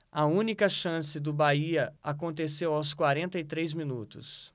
a única chance do bahia aconteceu aos quarenta e três minutos